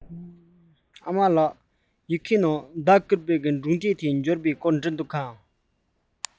ཨ མ ལགས ཡི གེ ནང ཟླ བསྐུར བའི སྒྲུང དེབ དེ འབྱོར བའི སྐོར བྲིས འདུག གས